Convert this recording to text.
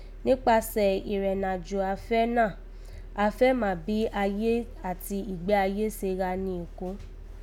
Nípasẹ̀ ìrẹ̀najo afẹ́ náà, a fẹ́ mà bí ayé àti ìgbé ayé se gha ni Èkó